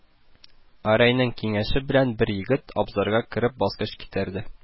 Гәрәйнең киңәше белән бер егет, абзарга кереп, баскыч китерде